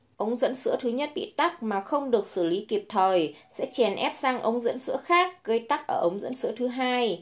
ống dẫn sữa thứ bị tắc mà không được xử lý kịp thời sẽ chèn ép sang ống dẫn sữa khác gây tắc ở ống dẫn sữa thứ